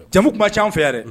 Jamu tun caan fɛ yan dɛ